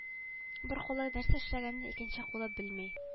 Бер кулы нәрсә эшләгәнне икенче кулы белми